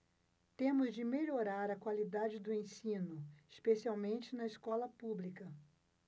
temos de melhorar a qualidade do ensino especialmente na escola pública